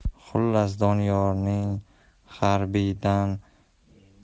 xullas doniyorning harbiydan